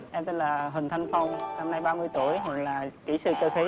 em tên là huỳnh thanh phong năm nay ba mươi tuổi hiện là kỹ sư cơ khí